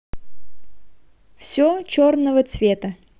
все черного цвета